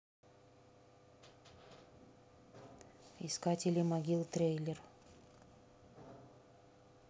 искатели могил трейлер